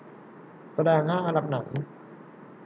แสดงห้าอันดับหนัง